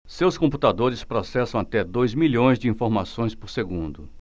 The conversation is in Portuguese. seus computadores processam até dois milhões de informações por segundo